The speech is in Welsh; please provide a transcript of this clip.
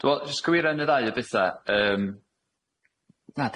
Dwi me'wl jyst cywiro un ne' ddau o betha yym na